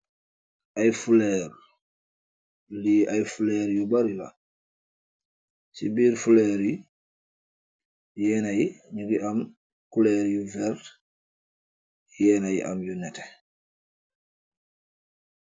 Ayy fleur lii ayy fleur yu barri la ci biir fleur yi yenah yii nyugi amm couleurs yu vert yenah yii amm nyu neeteh